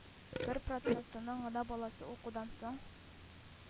Бер процентының гына баласы укудан соң